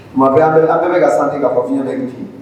Mɔya an bɛ bɛ ka san ka fɔ fi bɛtigi